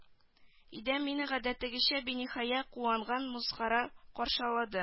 Өйдә мине гадәттәгечә биниһая куанган музгарка каршылады